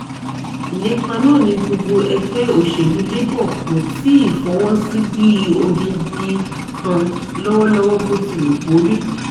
Ìlépa náà ni gbogbo Ẹgbẹ́ Òṣèlú Labour kò tíì fọwọsí bíi odidi kan lọ́wọ́lọ́wọ́, botiwukori.